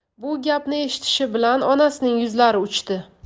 bu gapni eshitishi bilan onasining yuzlari uchdi